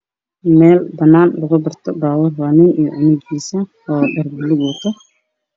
Meel banaan lagu barto baabuur waa nin iyo canugiisa dhar buluuga wato